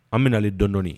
An bɛna le dɔɔnin dɔɔnin